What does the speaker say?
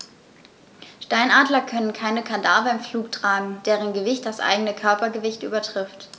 Steinadler können keine Kadaver im Flug tragen, deren Gewicht das eigene Körpergewicht übertrifft.